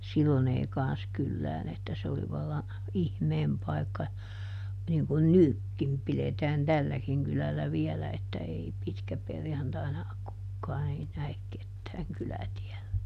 silloin ei kanssa kylään että se oli vallan ihmeen paikka niin kuin nytkin pidetään tälläkin kylällä vielä että ei pitkäperjantaina kukaan ei näe ketään kylätiellä